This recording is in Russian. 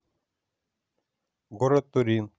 город турин